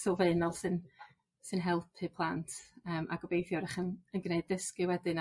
sylfaenol sy'n sy'n help i plant yym a gobeithio yn gneud dysgu wedyn